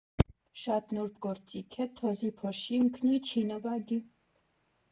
Շատ նուրբ գործիք է, թոզի փշուր ընկնի, չի նվագի։